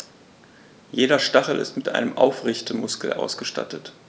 Jeder Stachel ist mit einem Aufrichtemuskel ausgestattet.